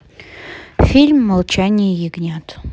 фильм молчание ягнят